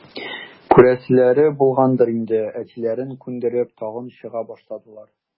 Күрәселәре булгандыр инде, әтиләрен күндереп, тагын чыга башладылар.